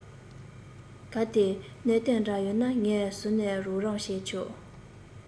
གལ ཏེ གནད དོན འདྲ ཡོད ན ངས ཟུར ནས རོགས རམ བྱས ཆོག